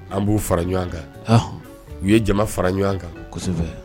An b'u fara ɲɔgɔn kan u ye jama fara ɲɔgɔn kan